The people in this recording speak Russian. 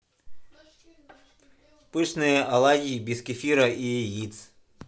пышные оладьи без кефира и яиц